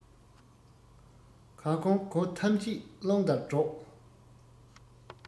གང གོང གོ ཐམས ཅད རླུང ལྟར སྒྲོག